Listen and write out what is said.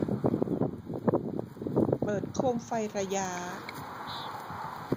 เปิดโคมไฟระย้า